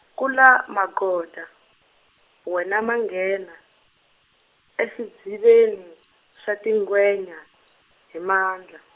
kula Magoda, wena manghena, exidziveni, xa tingwenya, hi mandla.